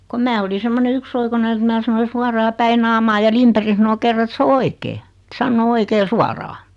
kun minä olin semmoinen yksioikoinen että minä sanoin suoraan päin naamaa ja Lindberg sanoi kerran että se on oikein että sanoo oikein suoraan